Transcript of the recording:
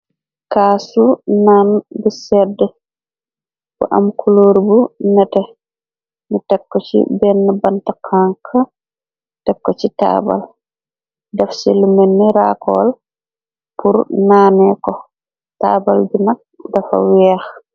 Kaasu naan bi sedde bu am kulóor bu nete ni tekko ci benn bantkanke tekko ci taabal def si lu melne raakool pur naanee ko taabal bi nag dafa weex.